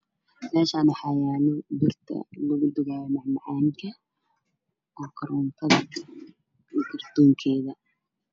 Meeshaana waxaa yaalo birta lagu fibaayo mac macaanka oo kotontada iyo kartoonkeeda.